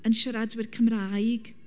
Yn siaradwyr Cymraeg.